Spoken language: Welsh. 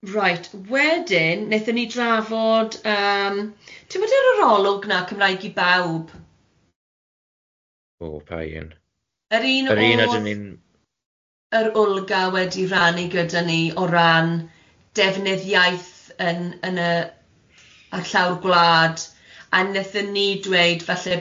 Right, wedyn wnaethon ni drafod yym timod yr arolwg 'na Cymraeg i bawb? Oh pa un? yr un o'dd. Yr un ydyn ni. Yr un o'dd Wlga wedi rannu gyda ni o ran defnydd iaith yn yn y- a'r llawr gwlad a wnaethon ni dweud falle bod